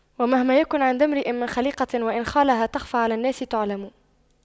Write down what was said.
ومهما يكن عند امرئ من خَليقَةٍ وإن خالها تَخْفَى على الناس تُعْلَمِ